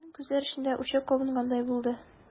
Аның күзләр эчендә учак кабынгандай булды.